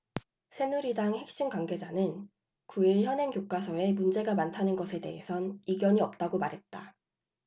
새누리당 핵심 관계자는 구 일 현행 교과서에 문제가 많다는 것에 대해선 이견이 없다고 말했다